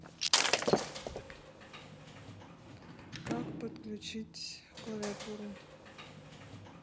как подключить клавиатуру